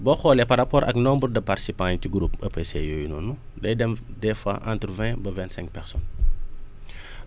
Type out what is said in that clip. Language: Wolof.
boo xoolee par rapport ak nombre de participants yi ci groupe EPC yooyu noonu day dem des fois entre vingt ba vingt cinq personnes